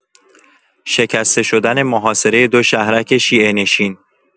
شکسته شدن محاصره دو شهرک شیعه‌نشین